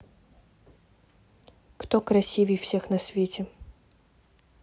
кто красивей всех на свете